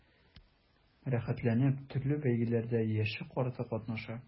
Рәхәтләнеп төрле бәйгеләрдә яше-карты катнаша.